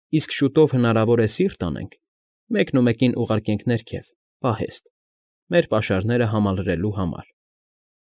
Իսկ շուտով, հնարավոր է, սիրտ անենք, մեկնումեկին ուղարկենք ներքև՝ պահեստ, մեր պաշարները համալրելու համար։